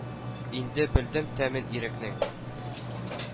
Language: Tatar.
Инде белдем тәмен ирекнең!